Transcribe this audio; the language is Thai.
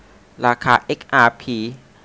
ราคาเอ็กอาร์พี